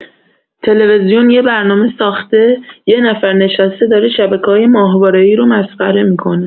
تلویزیون یه برنامه ساخته، یه نفر نشسته داره شبکه‌های ماهواره‌ای رو مسخره می‌کنه